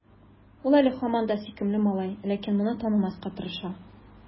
Ул әле һаман да сөйкемле малай, ләкин моны танымаска тырыша.